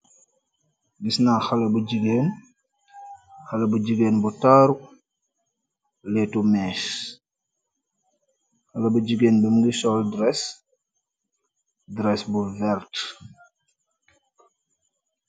Gisna xale bu jigéen, xale bu jigéen bu taaru léétu mées, xale bu jigéen bi mingi sol dres, dres bu verte